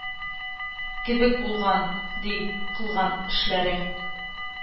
Кебек булган, ди, кылган эшләре